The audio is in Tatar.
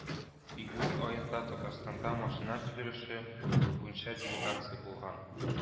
Июнь аенда татарстанда машина төзелеше буенча делегация булган